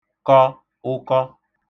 kọ ụkọ